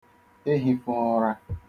ehīfụghiụra